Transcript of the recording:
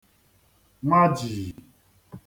nwajìì